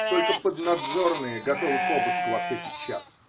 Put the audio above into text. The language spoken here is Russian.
Только поднадзорные готовы к обыску во всякий час.